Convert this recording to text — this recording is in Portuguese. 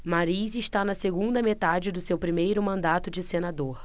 mariz está na segunda metade do seu primeiro mandato de senador